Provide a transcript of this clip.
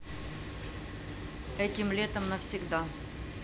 этим летом и навсегда